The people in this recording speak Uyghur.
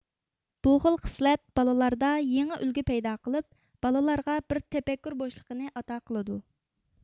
بۇ خىل خىسلەت بالىلاردا يېڭى ئۈلگە پەيدا قىلىپ بالىلارغا بىر تەپەككۇر بوشلۇقىنى ئاتا قىلىدۇ